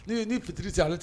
Ee ni fitiri tɛ ale